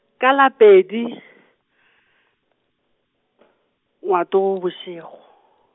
ka la pedi , Ngwatobošego.